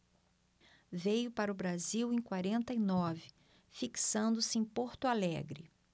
veio para o brasil em quarenta e nove fixando-se em porto alegre